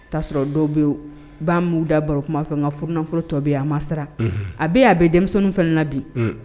I bi ta sɔrɔ dɔw be yen , i ba mu da baro kuma fɛ n ka furunafolo tɔ be yen. A ma sara . Unhun A be yen, a bi denmisɛnninw fana na bi.